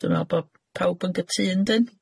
Dwi'n me'wl bo' pawb yn gytûn, yndyn?